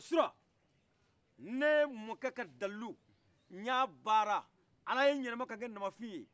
surɔ ne mɔkɛ ka dalu ɲa baara ala ye yɛlɛma ka kɛ namafinye